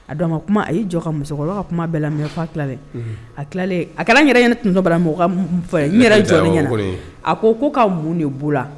A dɔn ka kuma a ye jɔ ka musokɔrɔba ka kuma bɛɛ lafa tila a tila a yɛrɛ ne tun mɔgɔ n jɔn a ko ko ka mun de' la